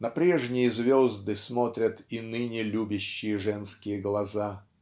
на прежние звезды смотрят и ныне любящие женские глаза.